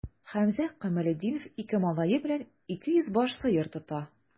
Хәмзә Камалетдинов ике малае белән 200 баш сыер тота.